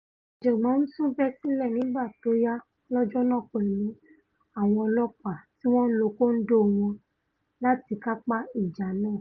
Ìjàngbọ̀n tún bẹ́ sílẹ̀ nígbà tóyá lọ́jọ́ náà pẹ̀lú àwọn ọlọ́ọ̀pá tíwọn ńlo kóńdò wọn láti kápá ìjà náà.